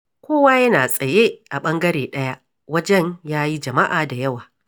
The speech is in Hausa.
Kowa yana tsaye a ɓangare ɗaya wajen ya yi jama'a da yawa.